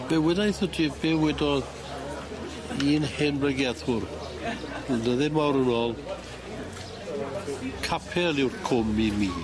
Be wedaith wt ti be' wedodd un hen bregethwr, mawr ar ôl, capel yw'r cwm i mi.